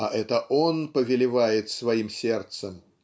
а это он повелевает своим сердцем